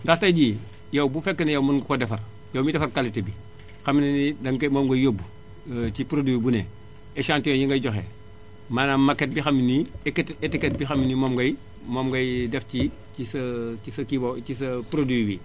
ndax tay jii yow bu fekkee ne yow mën nga ko defar yow miy defar qualité bi xam ne ni danga koy moom ngay yóbbu ci produit bu ne échantillon yi ngay joxe maanaam maquette bi xam ne étiquette étiquette bi xam ne nii mooy ngay moom ngay def ci ci sa ci sa kii ci sa produit wi